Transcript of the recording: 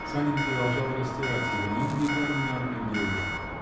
Санин продолжал растирать его; но он глядел не на одну девушку.